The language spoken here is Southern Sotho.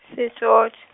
Sesoth-.